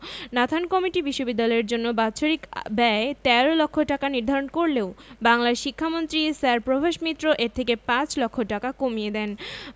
Nathan committee বিশ্ববিদ্যালয়ের জন্য বাৎসরিক ব্যয় ১৩ লক্ষ টাকা নির্ধারণ করলেও বাংলার শিক্ষামন্ত্রী স্যার প্রভাস মিত্র এর থেকে পাঁচ লক্ষ টাকা কমিয়ে দেন